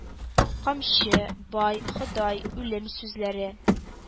“камчы“, “бай“, “ходай“, “үлем“ сүзләре,